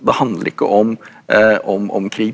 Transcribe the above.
det handler ikke om om om krig.